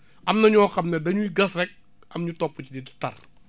am na ñoo xam ne dañuy gas rek am ñu topp di tar